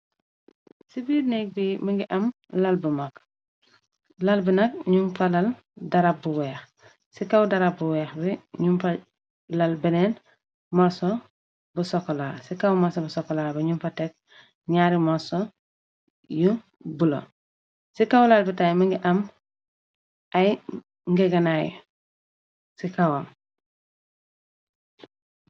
Ci biir nèk bi mu ngi am lal bu mak lal bi nat ñu fa lal darab bu wèèx ci kaw darab bu wèèx bi ñu fa lal benen morso bu sokola ci kaw morso bu sokola bi ñing fa tek ñaari morso yu bula ci kaw lal bi tam mu ngi am ay ngegenai ci kawam.